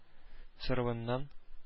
Соравыннан